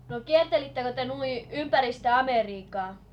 no kiertelittekö te noin ympäri sitä Amerikkaa